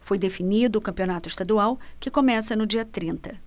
foi definido o campeonato estadual que começa no dia trinta